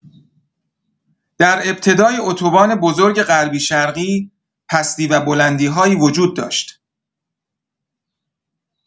در ابتدای اتوبان بزرگ غربی-شرقی پستی و بلندی‌هایی وجود داشت.